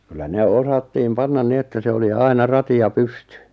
kyllä ne osattiin panna niin että se oli aina rati ja pystyi